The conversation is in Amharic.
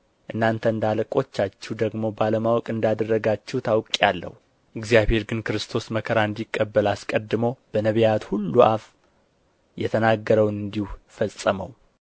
እናንተ እንደ አለቆቻችሁ ደግሞ ባለማወቅ እንዳደረጋችሁት አውቄአለሁ እግዚአብሔር ግን ክርስቶስ መከራ እንዲቀበል አስቀድሞ በነቢያት ሁሉ አፍ የተናገረውን እንዲሁ ፈጸመው